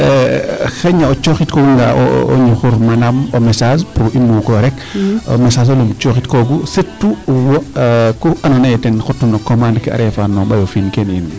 D' accord xayna o cooxitooganga o ñuxir manaam o mesaage pour muukooyo rek message olum o cooxitkoogu surtout wo kuu andoona yee ten xottun no commande ke a reefa no ɓoyofiin keene yiin.